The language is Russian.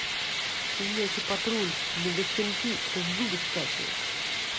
щенячий патруль мегащенки это зубы стачивать